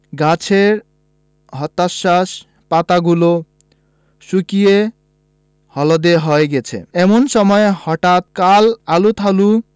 গাছের হতাশ্বাস পাতাগুলো শুকিয়ে হলদে হয়ে গেছে এমন সময় হঠাৎ কাল আলুথালু